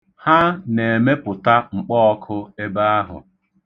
Ha na-emepụta mkpọọkụ ebe ahụ.